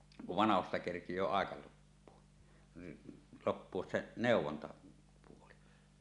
kun vanhoista kerkiää aika loppua loppua se neuvontapuoli